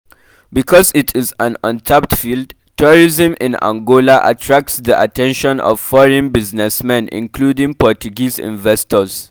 Because it is an untapped field, tourism in Angola attracts the attention of foreign businessmen, including Portuguese investors.